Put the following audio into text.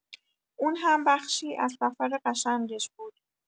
اون هم بخشی از سفر قشنگش بود.